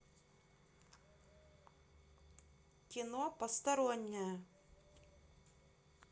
кино посторонняя